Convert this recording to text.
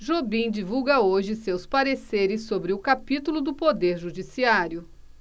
jobim divulga hoje seus pareceres sobre o capítulo do poder judiciário